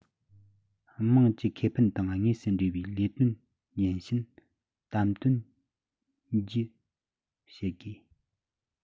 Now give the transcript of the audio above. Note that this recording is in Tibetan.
མངས ཀྱི ཁེ ཕན དང དངོས སུ འབྲེལ བའི ལས དོན ཡིན ཕྱིན དམ དོན གྱིས བྱེད དགོས